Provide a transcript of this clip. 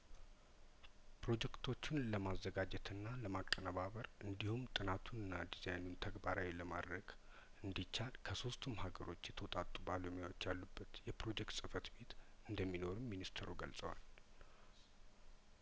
ፕሮጀክቶቹን ለማዘጋጀትና ለማቀነባበር እንዲሁም ጥናቱንና ዲዛይኑን ተግባራዊ ለማድረግ እንዲቻል ከሶስቱም ሀገሮች የተውጣጡ ባለሙያዎች ያሉበት የፕሮጀክት ጽፈት ቤት እንደሚኖርም ሚኒስተሩ ገልጸዋል